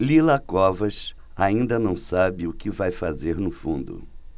lila covas ainda não sabe o que vai fazer no fundo